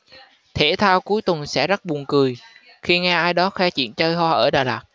thể thao cuối tuần sẽ rất buồn cười khi nghe ai đó khoe chuyện chơi hoa ở đà lạt